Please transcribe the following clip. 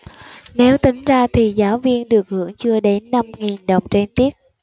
nếu tính ra thì giáo viên được hưởng chưa đến năm nghìn đồng trên tiết